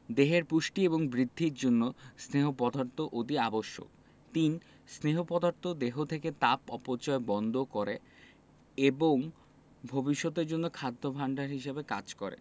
দেহের পুষ্টি এবং বৃদ্ধির জন্য স্নেহ পদার্থ অতি আবশ্যক ৩ স্নেহ পদার্থ দেহ থেকে তাপ অপচয় বন্ধ করে এবং ভবিষ্যতের জন্য খাদ্য ভাণ্ডার হিসেবে কাজ করে